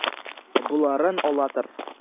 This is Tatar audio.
Боларын ала тор.